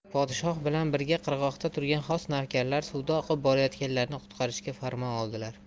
podshoh bilan birga qirg'oqda turgan xos navkarlar suvda oqib borayotganlarni qutqarishga farmon oldilar